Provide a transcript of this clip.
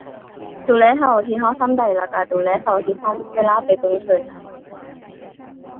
ดูแลเท่าที่เราทำได้ แล้วเราดูแลเท่าที่เรามีเวลาไปเบิ่งเพิ่น